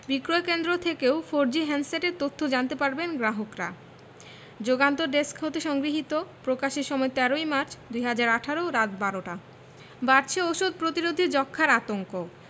বিক্রয়কেন্দ্র থেকেও ফোরজি হ্যান্ডসেটের তথ্য জানতে পারবেন গ্রাহকরা যুগান্তর ডেস্ক হতে সংগৃহীত প্রকাশের সময় ১৩ ই মার্চ ২০১৮ রাত ১২:০০ টা বাড়ছে ওষুধ প্রতিরোধী যক্ষ্মার আতঙ্ক